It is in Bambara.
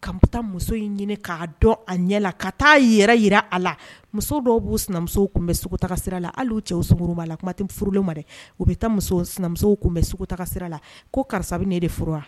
Ka taa muso in ɲini k'a dɔn a ɲɛ la ka taa yɛrɛ jira a la muso dɔw b'u sinamuso tun bɛ segutaa sira la hali cɛ sumaworo'a la kuma tɛ furulen ma dɛ u bɛ sinamuso bɛtaa sira la ko karisa ne de furu wa